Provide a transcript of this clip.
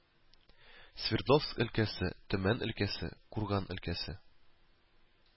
Свердловск өлкәсе, Төмән өлкәсе, Курган өлкәсе